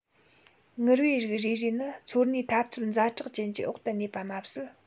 ངུར པའི རིགས རེ རེ ནི འཚོ གནས འཐབ རྩོད ཛ དྲག ཅན གྱི འོག ཏུ གནས པ མ ཟད